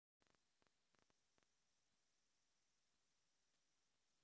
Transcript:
музыка поиск